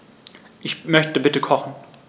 Ich möchte bitte kochen.